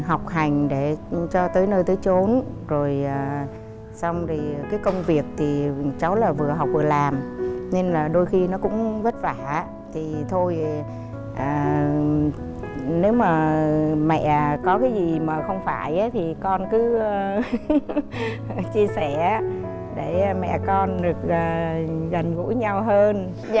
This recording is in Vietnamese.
học hành để cho tới nơi tới chốn rồi à xong thì cái công việc thì cháu là vừa học vừa làm nên là đôi khi nó cũng vất vả thì thôi à nếu mà mẹ có cái gì mà không phải ấy thì còn cứ chia sẻ để mẹ con được à gần gũi nhau hơn